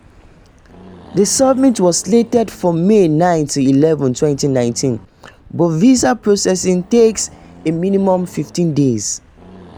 The summit was slated for May 9-11, 2019, but visa processing takes a minimum 15 days.